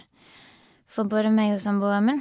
For både meg og samboeren min.